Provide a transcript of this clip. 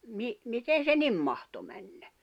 - miten se niin mahtoi mennä